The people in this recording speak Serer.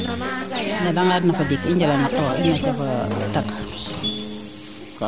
yeede ngaand na fo ndiiki i njala no cafa ɗak